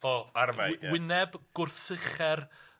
O arfai ia. Wy- wyneb gwrthicher